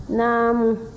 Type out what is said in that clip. naamu